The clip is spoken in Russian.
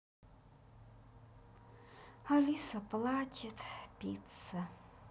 алиса плачет пицца